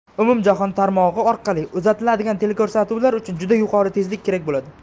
umumjahon tarmog i orqali uzatiladigan teleko'rsatuvlar uchun juda yuqori tezlik kerak bo'ladi